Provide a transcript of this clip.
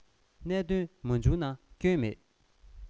གནད དོན མ བྱུང ན སྐྱོན མེད